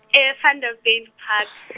e- Vanderbijilpark.